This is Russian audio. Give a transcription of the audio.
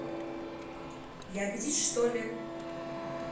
я аппетит что ли